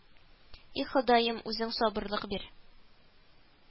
И, Ходаем, үзең сабырлык бир